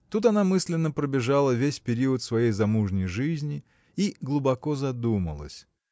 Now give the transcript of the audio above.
Тут она мысленно пробежала весь период своей замужней жизни и глубоко задумалась.